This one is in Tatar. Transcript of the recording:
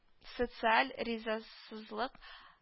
Социаль ризасызлык у